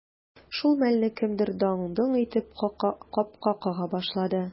Шул мәлне кемдер даң-доң итеп капка кага башлады.